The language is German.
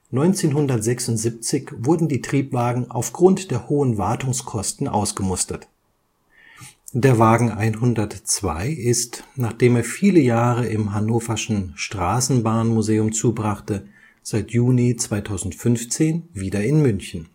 1976 wurden die Triebwagen aufgrund der hohen Wartungskosten ausgemustert. Der Wagen 102 ist, nachdem er viele Jahre im Hannoverschen Straßenbahn-Museum zubrachte, seit Juni 2015 wieder in München